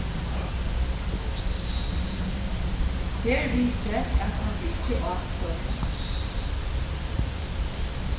per viðgekk at hann ikki át køkuna